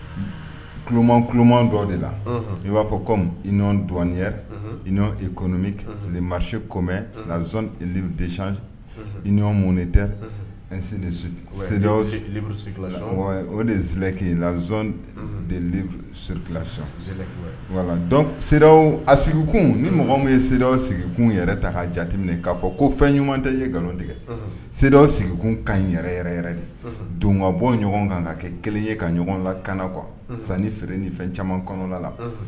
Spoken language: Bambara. I b'a fɔ ko i si la i mun tɛ o deki laz stila a sigikun ni mɔgɔ ye sew sigikun yɛrɛ ta' jateminɛ'a fɔ ko fɛn ɲuman tɛ ye nkalon tigɛ sew sigikun ka yɛrɛ de don ka bɔ ɲɔgɔn kan ka kɛ kelen ye ka ɲɔgɔn la kan qu sanni feere ni fɛn caman kɔnɔ la